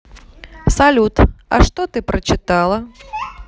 салют а что ты прочитала